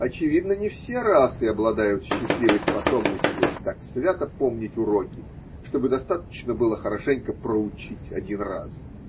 Очевидно, не все расы обладают счастливой способностью так свято помнить уроки, чтобы достаточно было хорошенько проучить один раз.